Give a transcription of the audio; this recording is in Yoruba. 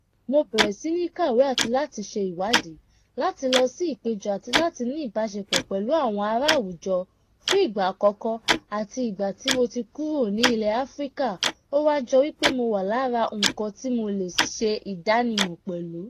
Mo bẹ̀rẹ̀ sì ní kàwé àti láti ṣe ìwádìí, láti lọ sí ìpéjọ àti láti ní ìbáṣepọ̀ pẹ̀lú àwọn ará àwùjọ fún ìgbà àkọ́kọ́ láti ìgbà tí mo ti kúrò ní ilẹ̀ Áfríkà, ó wá jọ wí pé mo wà lára nǹkan tí mo lè ṣe ìdánimọ̀ pẹ̀lú.